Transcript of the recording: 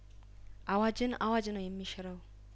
አዋጅን አዋጅ ነው የሚሽረው